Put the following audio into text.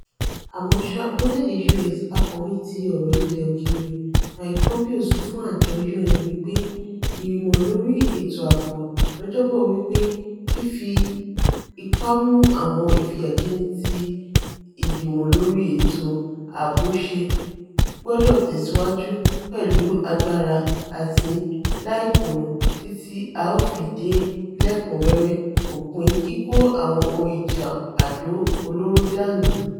Ìgbìmọ lórí Ètò Ààbo náà ti fi kún àwọn ìfìyàjẹni lórí Àríwá Kòríà pẹ̀lú ìfohùnṣọ̀kan pátápátá láti ọdún 2016 nínú ìlépa láti di ọ̀fun rírí owó ná fún àwọn ètò àdó olóró àti àwọn àdó abúgbàmu tóńfòlókè ti Pyongyang.